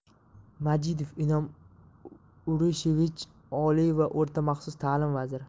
majidov inom urishevich oliy va o'rta maxsus ta'lim vaziri